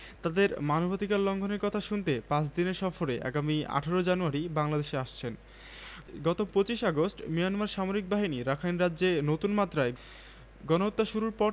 কবিতা চল চল চল বিদ্রোহী কবি কাজী নজরুল ইসলাম চল চল চল ঊর্ধ্ব গগনে বাজে মাদল নিম্নে উতরা ধরণি তল অরুণ প্রাতের তরুণ দল চল রে চল রে চল চল চল চল